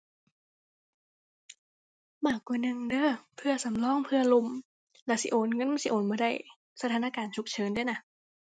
มากกว่าหนึ่งเด้อ เผื่อสำรอง เผื่อล่ม แล้วสิโอนเงินสิโอนบ่ได้ สถานการณ์ฉุกเฉินเดะน่ะ